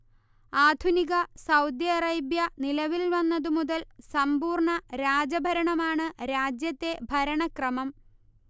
ആധുനിക Saudi Arabia നിലവിൽ വന്നത് മുതൽ സമ്പൂർണ രാജ ഭരണമാണ് രാജ്യത്തെ ഭരണക്രമം